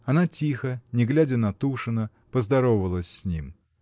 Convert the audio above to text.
Она тихо, не глядя на Тушина, поздоровалась с ним.